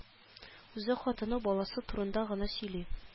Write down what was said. Үзе хатыны баласы турында гына сөйли